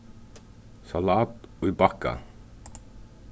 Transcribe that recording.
salat í bakka